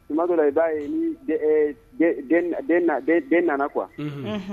O ma dɔ la i b'a ye den nana qu